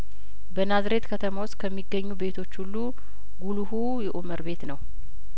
በናዝሬት ከተማ ውስጥ ከሚገኙ ቤቶች ሁሉ ጉልሁ የኡመር ቤት ነው